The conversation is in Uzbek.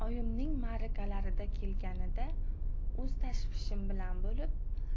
oyimning marakalarida kelganida o'z tashvishim bilan bo'lib